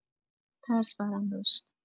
ترس برم داشت.